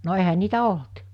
no eihän niitä ollut